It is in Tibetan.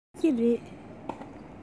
མཆོད ཀྱི རེད